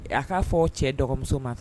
A k'a fɔ cɛ dɔgɔmuso ma kan